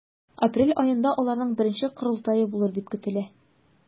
Апрель аенда аларның беренче корылтае булыр дип көтелә.